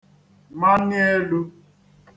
mani elū